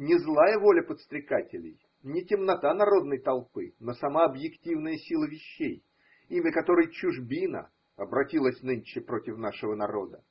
Не злая воля подстрекателей, не темнота народной толпы, но сама объективная сила вещей, имя которой чужбина, обратилась ныне против нашего народа,